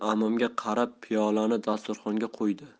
ammamga qadab piyolani dasturxonga qo'ydi